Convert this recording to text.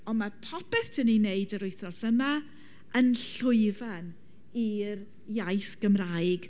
Ond ma' popeth dan ni'n wneud yr wythnos yma yn llwyfan i'r iaith Gymraeg.